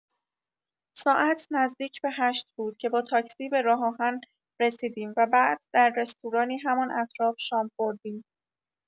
ساعت نزدیک به هشت بود که با تاکسی به راه‌آهن رسیدیم و بعد در رستورانی همان اطراف شام خوردیم.